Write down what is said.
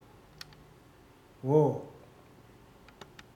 འོ